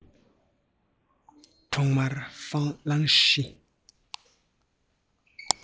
ཐོག མར ཧྥུ ལང ཧྲི